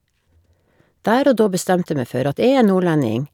Der og da bestemte jeg meg for at jeg er nordlending.